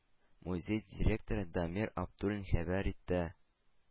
Музей директоры дамир абдуллин хәбәр иттте.